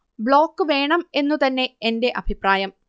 block വേണം എന്നു തന്നെ എന്റെ അഭിപ്രായം